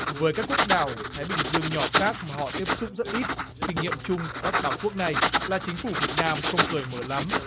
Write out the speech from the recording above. với các quốc đảo thái bình dương nhỏ khác mà họ tiếp xúc rất ít kinh nghiệm chung của các đảo quốc này là chính phủ việt nam không cởi mở lắm